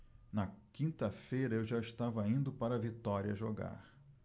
na quinta-feira eu já estava indo para vitória jogar